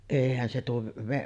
eihän se tuo -